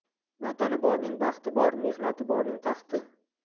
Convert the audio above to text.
vatani borning baxti bor mehnati borning taxti